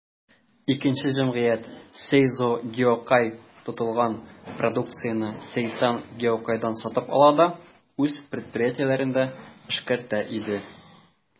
Икенче җәмгыять, «Сейзо Гиокай», тотылган продукцияне «Сейсан Гиокайдан» сатып ала да үз предприятиеләрендә эшкәртә иде.